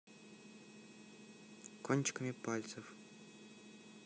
кончиками пальцев